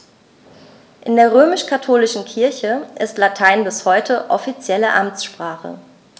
In der römisch-katholischen Kirche ist Latein bis heute offizielle Amtssprache.